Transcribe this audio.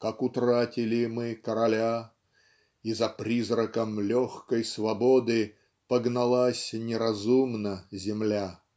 Как утратили мы короля И за призраком легкой свободы Погналась неразумно земля.